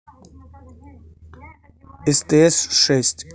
стс шесть